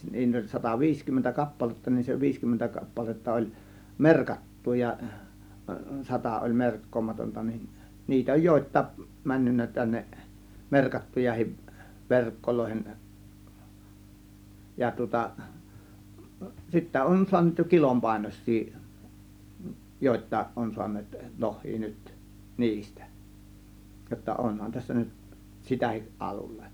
niitä oli sataviisikymmentä kappaletta niin se viisikymmentä kappaletta oli merkattu ja sata oli merkkaamatonta niin niitä on jotakin mennyt tänne merkattujakin verkkoihin ja tuota sitten on saaneet jo kilon painoisia jotakin on saaneet lohia nyt niistä jotta onhan tässä nyt sitäkin alulle